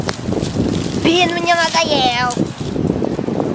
пин мне надоел